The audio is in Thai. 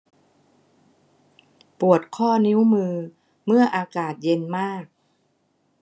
ปวดข้อนิ้วมือเมื่ออากาศเย็นมาก